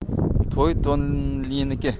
to'y to'nliniki